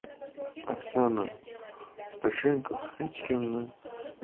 oksana stashenko hech kimni